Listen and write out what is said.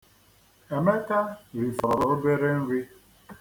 Emeka rifọrọ obere nri.